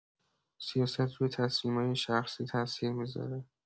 سیاست روی تصمیمای شخصی تاثیر می‌ذاره.